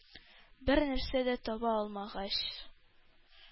Бер нәрсә дә таба алмагач: